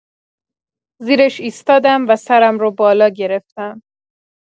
زیرش ایستادم و سرم رو بالا گرفتم.